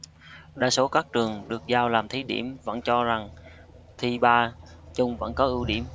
đa số các trường được giao làm thí điểm vẫn cho rằng thi ba chung vẫn có ưu điểm